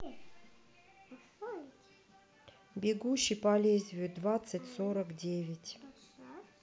бегущий по лезвию двадцать сорок девять